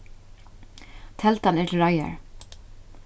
teldan er til reiðar